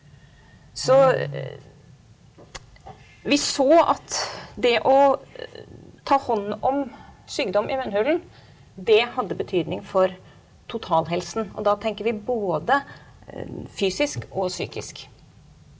så vi så at det å ta hånd om sykdom i munnhulen det hadde betydning for totalhelsen og da tenker vi både fysisk og psykisk.